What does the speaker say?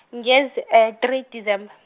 ngezi- e- three December.